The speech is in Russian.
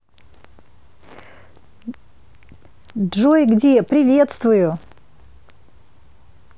джой где приветствую